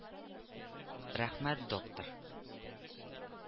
— рәхмәт, доктор